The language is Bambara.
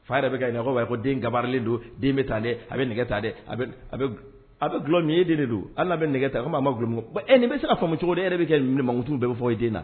Fa yɛrɛ bɛ ka ɲininka ko ne den gabarilen don dɔ, den bɛ tan dɛ, den bɛ nɛgɛ ta dɛ, a bɛ dɔlɔ min , e den de don o, hali n'a bɛ dɔlɔ min, komi i m'o fɔ, nin bɛ se ka faamu cogo di? E yɛrɛ de bɛ nin mankutu ba ninnu fɔ i den la!